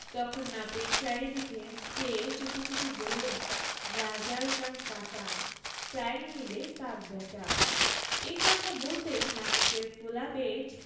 তখন নাপিত চারিদিকে চেয়ে চুপিচুপি বললে রাজার কান কাটা তাই নিলে কাক ব্যাটা এই কথা বলতেই নাপিতের ফোলা পেট